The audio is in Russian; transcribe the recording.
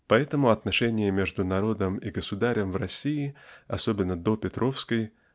Поэтому отношения между народом и Государем в России особенно до петровской